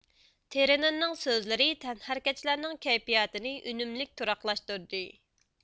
ترېنېرنىڭ سۆزلىرى تەنھەرىكەتچىلەرنىڭ كەيپىياتىنى ئۈنۈملۈك تۇراقلاشتۇردى